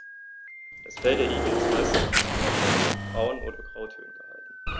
Das Fell der Igel ist meist in unauffälligen Braun- oder Grautönen gehalten.